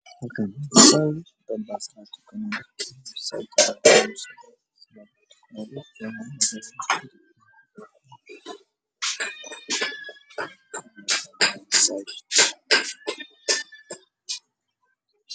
Meeshaan nimo badan cunu tukanayaan salaad ninka usoo horay waxaa wataa khamiis buluug ah maamud guud ah ay joogaan waa masaajid ka